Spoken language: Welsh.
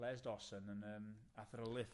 Les Dawson yn yym athrylith.